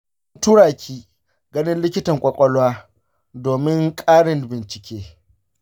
zan tura ki ganin likitan ƙwaƙwalwa domin ƙarin bincike.